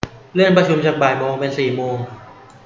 เลื่อนประชุมจากบ่ายโมงเป็นสี่โมง